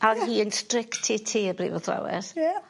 A o'dd hi... Ie. ...yn strict Tee Tee y brif athrawes. Ie.